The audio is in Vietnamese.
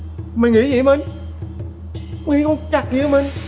mày nghĩ dậy minh nghĩ con cặc gì dậy minh